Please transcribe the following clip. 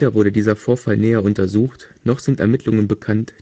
wurde dieser Vorfall näher untersucht, noch sind Ermittlungen bekannt